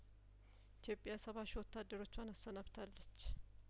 ኢትዮጵያ ሰባ ሺህ ወታደሮቿን አሰናብታለች